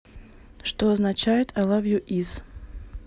что обозначает алавью из